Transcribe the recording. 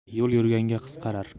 yo'l yurganga qisqarar